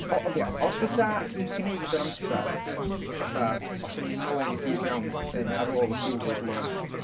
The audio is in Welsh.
O- o- ie, os fysen ni'n gwneud yr amser, fatha, os o'n ni'n mynd nôl i'r byd go iawn, yym, ar ôl y Covid 'wan...